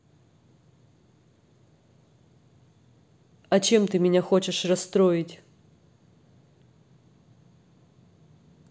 а чем ты меня хочешь расстроить